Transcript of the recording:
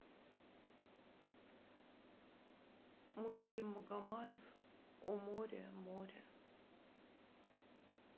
муслим магомаев о море море